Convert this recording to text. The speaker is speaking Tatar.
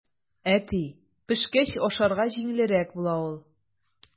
Әти, пешкәч ашарга җиңелрәк була ул.